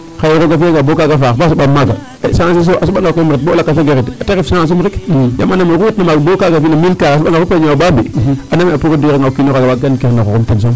Xaye roog a fi'anga bo kaaga faax ba soɓaam maaga chance es o a soɓanga koy um ret bo lakas a gar ta ref chance um rek yaam anda me oxu eetna maaga bo kaga fina ten soom .